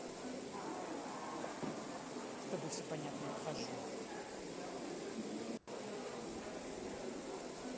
с тобой все понятно я ухожу